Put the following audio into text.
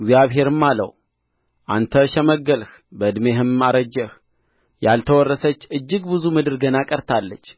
እግዚአብሔርም አለው አንተ ሸመገልህ በዕድሜህም አረጀህ ያልተወረሰች እጅግ ብዙ ምድር ገና ቀርታለች